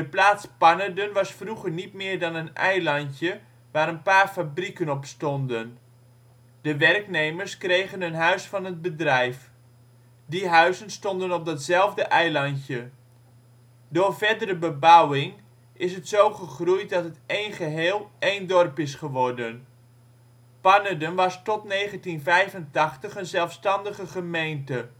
plaats Pannerden was vroeger niet meer dan een eilandje waar een paar fabrieken op stonden. De werknemers kregen een huis van het bedrijf. Die huizen stonden op dat zelfde eilandje (Pannerden). Door verdere bebouwing is het zo gegroeid dat het één geheel, één dorp is geworden. Pannerden was tot 1985 een zelfstandige gemeente